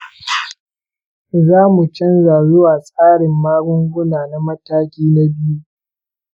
za mu canza zuwa tsarin magunguna na mataki na biyu.